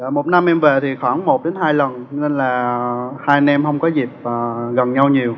dạ một năm em về thì khoảng một đến hai lần cho nên là hai anh em không có dịp ờ gặp nhau nhiều